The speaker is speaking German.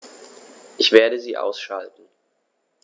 Ich werde sie ausschalten